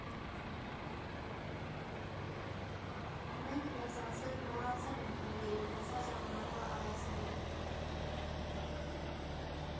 Մենք մեծացել մոռացել ենք մեր երիտասարդ ժամանակվա արածները։